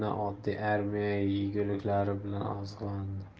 va yelena oddiy armiya yeguliklari bilan oziqlandi